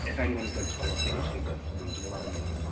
If anyone's good to our Paige, they're good for me. Do you know what I mean?